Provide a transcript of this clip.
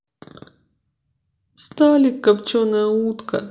сталик копченая утка